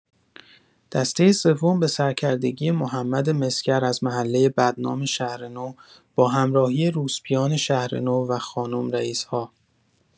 دسته سوم به سرکردگی محمد مسگر از محله بدنام شهرنو با همراهی روسپیان شهرنو و خانم رئیس‌ها.